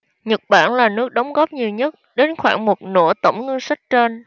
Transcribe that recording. nhật bản là nước đóng góp nhiều nhất đến khoảng một nửa tổng ngân sách trên